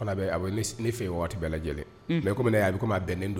Ne fɛ waati bɛɛ lajɛlen mɛ kɔmi a bɛ ma bɛnden